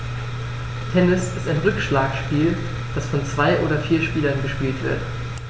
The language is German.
Tennis ist ein Rückschlagspiel, das von zwei oder vier Spielern gespielt wird.